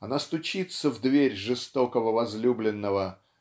она стучится в дверь жестокого возлюбленного